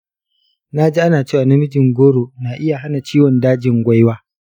na ji ana cewa namijin goro na iya hana ciwon dajin gwaiwa.